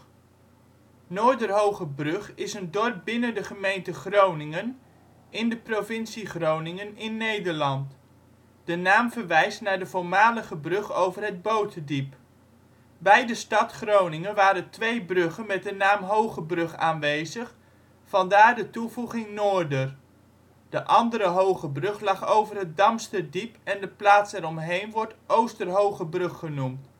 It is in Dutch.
Hogebrug) is een dorp binnen de gemeente Groningen in de provincie Groningen in Nederland. De naam verwijst naar de voormalige brug over het Boterdiep. Bij de stad Groningen waren twee bruggen met de naam Hoogebrug aanwezig, vandaar de toevoeging Noorder. De andere Hoogebrug lag over het Damsterdiep en de plaats eromheen wordt Oosterhoogebrug genoemd